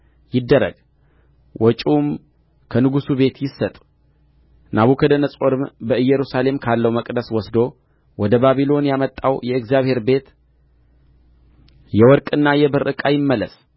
ይደረግ ውጪውም ከንጉሡ ቤት ይሰጥ ናቡከደነፆርም በኢየሩሳሌም ካለው መቅደስ ወስዶ ወደ ባቢሎን ያመጣው የእግዚአብሔር ቤት የወርቅና የብር ዕቃ ይመለስ